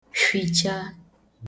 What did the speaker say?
fhìcha